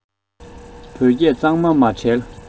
བོད སྐད གཙང མ མ བྲལ